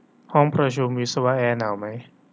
ห้องประชุมวิศวะแอร์หนาวมั้ย